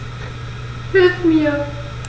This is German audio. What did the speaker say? Hilf mir!